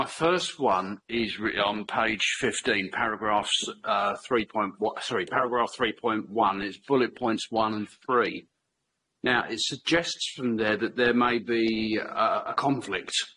My first one is re- on page fifteen, paragraphs uh three point wa- sorry, paragraph three point one is bullet points one and three. Now, it suggests from there that there may be uh a conflict.